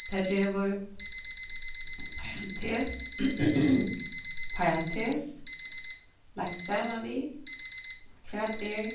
tað gevur parantes parantes lagt saman við hvat er